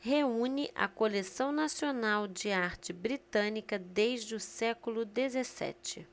reúne a coleção nacional de arte britânica desde o século dezessete